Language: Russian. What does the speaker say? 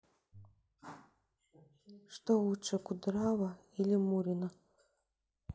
что лучше кудрово или мурино